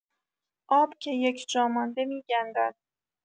آب که یک جا مانده می‌گندد.